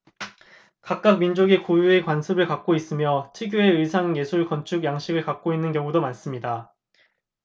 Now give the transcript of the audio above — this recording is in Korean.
각각의 민족들은 고유의 관습을 갖고 있으며 특유의 의상 예술 건축 양식을 갖고 있는 경우도 많습니다